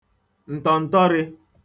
ǹtọ̀ǹtọrị̄